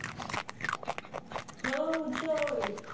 hello joy